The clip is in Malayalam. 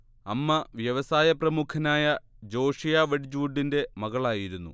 അമ്മ വ്യവസായപ്രമുഖനായ ജോഷിയാ വെഡ്ജ്വുഡിന്റെ മകളായിരുന്നു